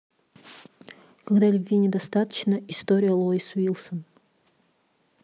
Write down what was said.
когда любви недостаточно история лоис уилсон